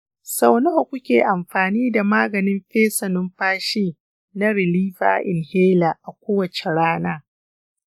sau nawa kuke amfani da maganin fesa numfashi na reliever inhaler a kowace rana?